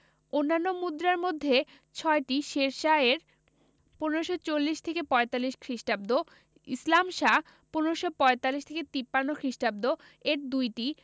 অন্যান্য মুদ্রার মধ্যে ছয়টি শেরশাহ এর ১৫৪০ থেকে ৪৫ খ্রিটাব্দ ইসলাম শাহ ১৫৪৫ থেকে ৫৩ খ্রিটাব্দ এর দুইটি